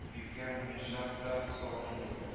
Юкә муенчак та салынмый